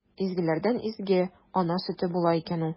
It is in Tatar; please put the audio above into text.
Изгеләрдән изге – ана сөте була икән ул!